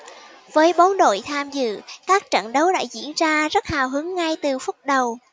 với bốn đội tham dự các trận đấu đã diễn ra rất hào hứng ngay từ phút đầu